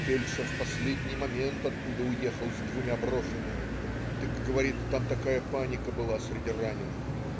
Фельдшер в последний момент оттуда уехал с двумя брошенными, так говорит: там такая паника была среди раненых.